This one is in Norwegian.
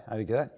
er det ikke det?